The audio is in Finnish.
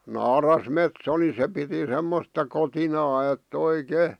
naarasmetso niin se piti semmoista kotinaa että oikein